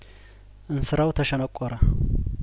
እንስራው ተሸነቆረ